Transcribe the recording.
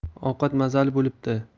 ovqat mazali bo'libdi